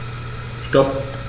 Stop.